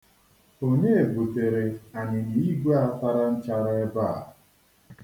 Onye butere anyinyaigwe a tara nchara ebe a?